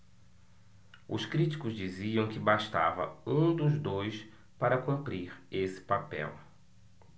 os críticos diziam que bastava um dos dois para cumprir esse papel